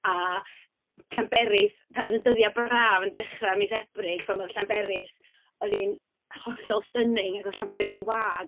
a Llanberis, ar y dyddiau braf yn dechrau mis Ebrill pan oedd Llanberis, oedd hi'n hollol stunning ac oedd Llanberis yn wag.